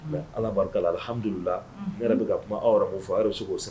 Ala barika lalhamdula n yɛrɛ bɛ ka kuma awr fɔ k'o siran